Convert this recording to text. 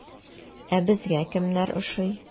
Ә безгә кемнәр ошый?